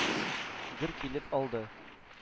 Гөр килеп алды.